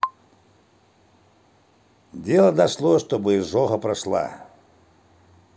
что делать чтобы изжога прошла